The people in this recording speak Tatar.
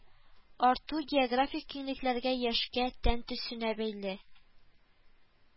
Арту географик киңлекләргә, яшькә, тән төсенә бәйле